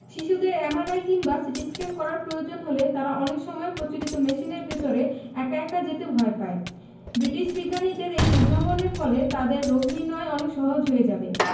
শিশুদের এমআরআই কিংবা সিটিস্ক্যান করার প্রয়োজন হলে তারা অনেক সময় প্রচলিত মেশিনের ভেতরে একা একা যেতে ভয় পায় ব্রিটিশ বিজ্ঞানীদের এই উদ্ভাবনের ফলে তাদের রোগনির্নয় অনেক সহজ হয়ে যাবে